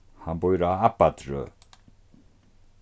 hann býr á abbatrøð